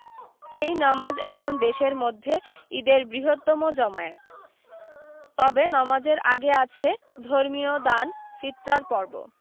এই নমাজ এখন দেশের মধ্যে ঈদের বৃহত্তম জমায়েত তবে নমাজের আগে আছে ধর্মীয় দান ফিতরার পর্ব